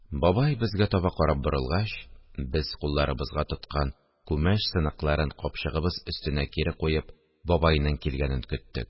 Бабай безгә таба карап борылгач, без, кулларыбызга тоткан күмәч сыныкларын капчыгыбыз өстенә кире куеп, бабайның килгәнен көттек